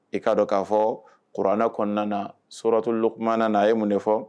I k'a dɔn k'a fɔ kuranɛ kɔnɔna na soratulukumana na a ye mun de fɔ